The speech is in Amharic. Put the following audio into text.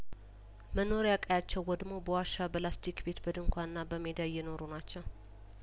መኖሪያ ቀያቸው ወድሞ በዋሻ በላስቲክ ቤት በድንኳንና በሜዳ እየኖሩ ናቸው